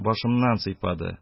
Башымнан сыйпады